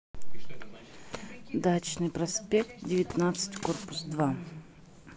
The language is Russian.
дачный проспект девятнадцать корпус два